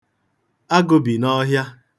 Agụ bi n'ọhịa.